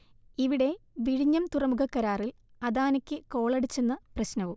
ഇവിടെ വിഴിഞ്ഞം തുറമുഖക്കരാറിൽ അദാനിക്ക് കോളടിച്ചെന്ന പ്രശ്നവും